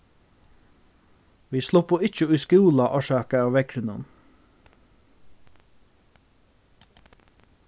vit sluppu ikki í skúla orsakað av veðrinum